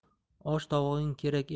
osh tovog'ing kerak